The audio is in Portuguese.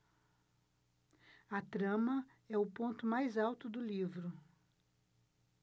a trama é o ponto mais alto do livro